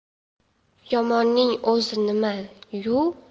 yomonning o'zi nima